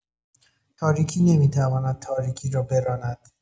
تاریکی نمی‌تواند تاریکی را براند